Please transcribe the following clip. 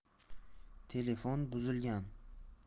telefon buzilgan